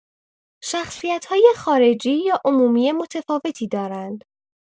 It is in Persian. شخصیت‌های خارجی یا عمومی متفاوتی دارند.